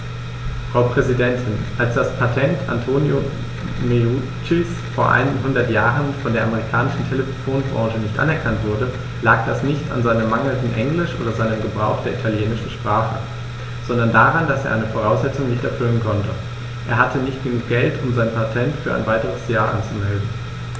Frau Präsidentin, als das Patent Antonio Meuccis vor einhundert Jahren von der amerikanischen Telefonbranche nicht anerkannt wurde, lag das nicht an seinem mangelnden Englisch oder seinem Gebrauch der italienischen Sprache, sondern daran, dass er eine Voraussetzung nicht erfüllen konnte: Er hatte nicht genug Geld, um sein Patent für ein weiteres Jahr anzumelden.